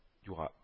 Юга